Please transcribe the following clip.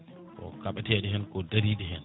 ko kaɓeteɗo hen ko daariɗo hen